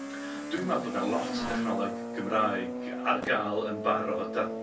Dwi'n meddwl bod 'na lot o dechnoleg Gymraeg ar ga'l yn barod, a